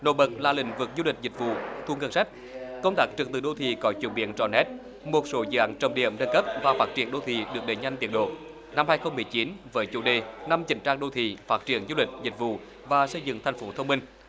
nổi bật là lĩnh vực du lịch dịch vụ thu ngân sách công tác trật tự đô thị có chuyển biến rõ nét một số dự án trọng điểm lên cấp và phát triển đô thị được đẩy nhanh tiến độ năm hai không mười chín với chủ đề năm chỉnh trang đô thị phát triển du lịch dịch vụ và xây dựng thành phố thông minh